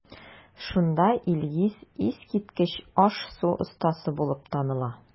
Шунда Илгиз искиткеч аш-су остасы булып таныла.